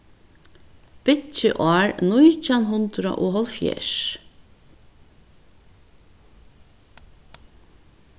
byggiár nítjan hundrað og hálvfjerðs